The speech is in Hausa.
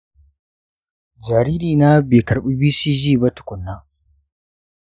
jaririna bai karbi bcg ba tukunna.